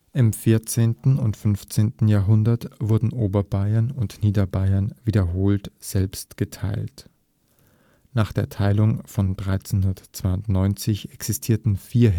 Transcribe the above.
Im 14. und 15. Jahrhundert wurden Oberbayern und Niederbayern selbst wiederholt geteilt. Nach der Teilung von 1392 existierten vier